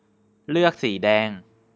เลือกสีแดง